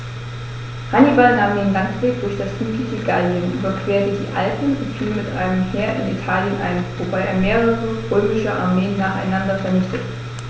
Hannibal nahm den Landweg durch das südliche Gallien, überquerte die Alpen und fiel mit einem Heer in Italien ein, wobei er mehrere römische Armeen nacheinander vernichtete.